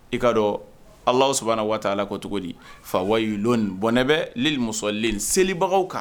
I ka dɔn alaaw sabanan waati ala ko cogo di fa wa bɔnɛ bɛ musolen selibagaw kan